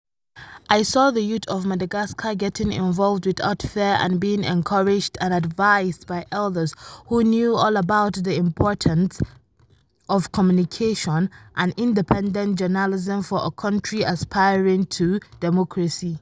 I saw the youth of Madagascar getting involved without fear and being encouraged and advised by elders who knew all about the importance of communication and independent journalism for a country aspiring to democracy.